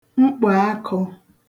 mkpò akụ̄